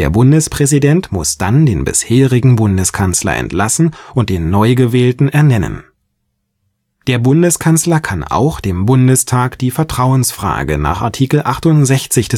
Bundespräsident muss dann den bisherigen Bundeskanzler entlassen und den neu gewählten ernennen. Der Bundeskanzler kann auch dem Bundestag die Vertrauensfrage stellen (Art. 68